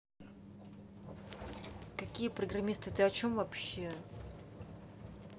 какие программисты ты о чем вообще